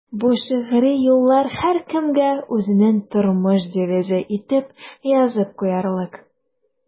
Бу шигъри юллар һәркемгә үзенең тормыш девизы итеп язып куярлык.